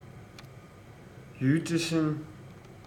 ཡུས ཀྲེང ཧྲེང